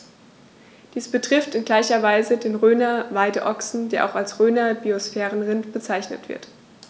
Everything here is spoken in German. Dies betrifft in gleicher Weise den Rhöner Weideochsen, der auch als Rhöner Biosphärenrind bezeichnet wird.